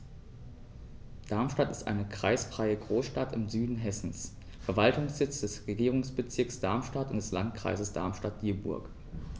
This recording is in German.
Darmstadt ist eine kreisfreie Großstadt im Süden Hessens, Verwaltungssitz des Regierungsbezirks Darmstadt und des Landkreises Darmstadt-Dieburg.